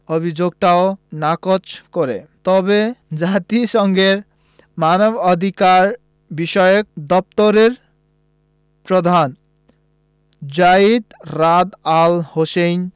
অভিযোগও নাকচ করে তবে জাতিসংঘের মানবাধিকারবিষয়ক দপ্তরের প্রধান যায়িদ রাদ আল হোসেইন